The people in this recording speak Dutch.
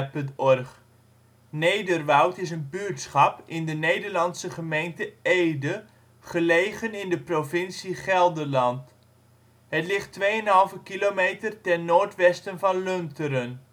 OL Nederwoud Plaats in Nederland Situering Provincie Gelderland Gemeente Ede Coördinaten 52° 6′ NB, 5° 34′ OL Portaal Nederland Beluister (info) Nederwoud is een buurtschap in de Nederlandse gemeente Ede, gelegen in de provincie Gelderland. Het ligt 2,5 kilometer ten noordwesten van Lunteren